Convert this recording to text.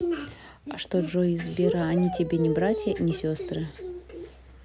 а что джой из сбера они тебе не братья не сестры